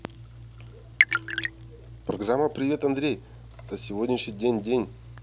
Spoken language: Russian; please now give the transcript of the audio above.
программа привет андрей за сегодняшний день день